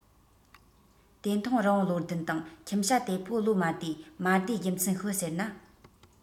དེ མཐོང རི བོང བློ ལྡན དང ཁྱིམ བྱ དེ ཕོ བློ མ བདེ མ བདེའི རྒྱུ མཚན ཤོད ཟེར ན